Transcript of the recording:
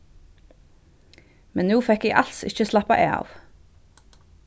men nú fekk eg als ikki slappað av